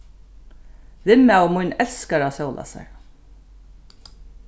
vinmaður mín elskar at sóla sær